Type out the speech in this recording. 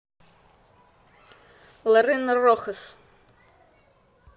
лорена рохас